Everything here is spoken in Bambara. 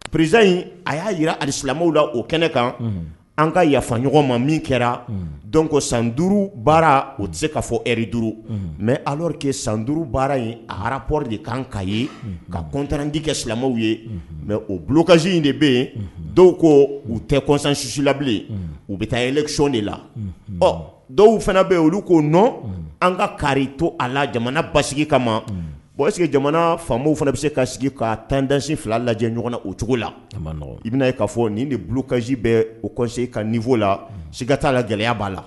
Perez in a y'a jira a silamɛw la o kɛnɛ kan an ka yafaɲɔgɔn ma min kɛra dɔn ko san duuru baara o tɛ se ka fɔ eri duuru mɛ alake san duuru baara ye aharapɔri de kan ka ye ka kɔntanrandi kɛ silamɛw ye mɛ o bukasi in de bɛ yen dɔw ko u tɛ kɔnsansusi labilen u bɛ taa yɛlɛcon de la ɔ dɔw fana bɛ yen olu koo nɔ an ka ka to a la jamana basigi kama bon que jamana fanw fana bɛ se ka sigi ka 1tansi fila lajɛ ɲɔgɔn na o cogo la i bɛna ye ka fɔ nin de bukasi bɛ o kɔse ka ninfo la sika t taa la gɛlɛya b'a la